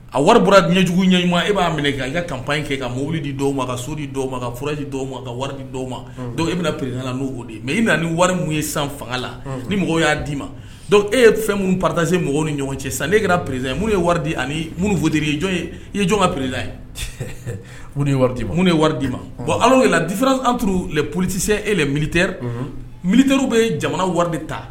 A wari bɔra ɲɛjugu ɲɛɲɲuman e b'a minɛ kɛ i kap in kɛ ka mobili di dɔw aw ma ka so di dɔw aw ma ka furaji di aw ma ka wari di dɔw aw ma dɔn e bɛna na pereina n'o de mɛ i na ni wari minnu ye san fanga la ni mɔgɔ y'a d'i ma e ye fɛn minnu p pase mɔgɔ ni ɲɔgɔn cɛ san e kɛra perez ye minnu ye waridi ni minnu fɔt ye jɔn ye i ye jɔn ka pereinaan ye ni wari munu ye wari d'i ma bɔn ala la dira an politesɛ e la minite minituru bɛ jamana wari de ta